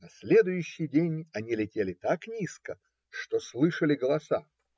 На следующий день они летели так низко, что слышали голоса